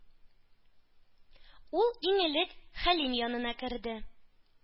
Ул иң элек Хәлим янына керде.